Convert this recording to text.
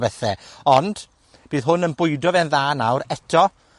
bethe, ond, bydd hwn yn bwydo fe'n dda nawr. Eto